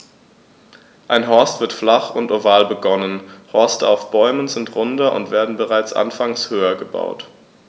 Ein Horst wird flach und oval begonnen, Horste auf Bäumen sind runder und werden bereits anfangs höher gebaut.